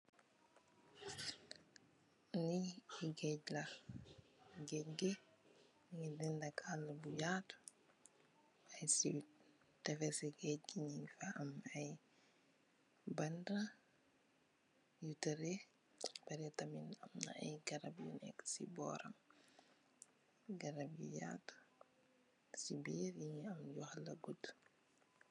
Li geeg la geeg gi mongi dendak aala bu yatu aksi tefes si geeg bi nyun fa am ay banta yu tedee ba pareh amna ay garab yu neka si boram garab yu yatu si biir mongi am yu xala guda.